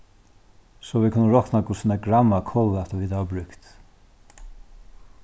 so vit kunnu rokna hvussu nógv gramm av kolvætu vit hava brúkt